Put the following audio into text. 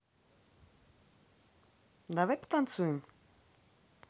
давай потанцуем